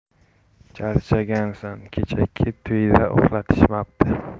charchagansan kechagi to'yda uxlatishmabdi